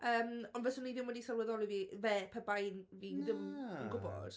Yym ond fyswn i ddim wedi sylweddoli fi... fe pe bai fi ddim yn gwybod.